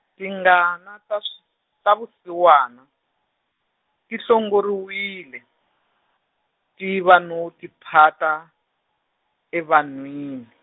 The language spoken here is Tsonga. tingana ta sw- ta vusiwana, ti hlongoriwile, tiva no tiphata, evanhwini.